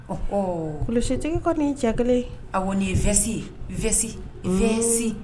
Ɔhɔn kulusitigi kɔni cɛ 1 awɔ nin ye vɛsi